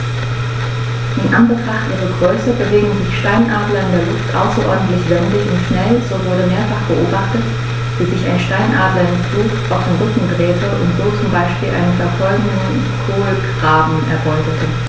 In Anbetracht ihrer Größe bewegen sich Steinadler in der Luft außerordentlich wendig und schnell, so wurde mehrfach beobachtet, wie sich ein Steinadler im Flug auf den Rücken drehte und so zum Beispiel einen verfolgenden Kolkraben erbeutete.